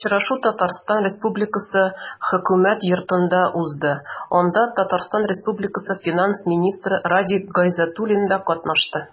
Очрашу Татарстан Республикасы Хөкүмәт Йортында узды, анда ТР финанс министры Радик Гайзатуллин да катнашты.